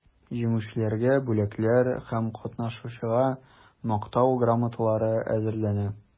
Җиңүчеләргә бүләкләр, һәр катнашучыга мактау грамоталары әзерләнә.